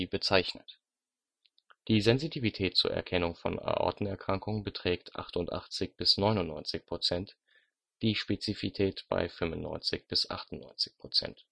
bezeichnet. Die Sensitivität zur Erkennung von Aortenerkrankungen beträgt 88-99 %, die Spezifität 95-98 %